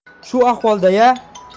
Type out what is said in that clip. shu ahvolda ya